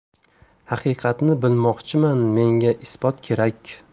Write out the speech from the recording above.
haqiqatni bilmoqchiman menga isbot kerak